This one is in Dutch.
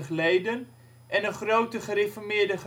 leden) en een grote Gereformeerde